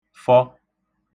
fọ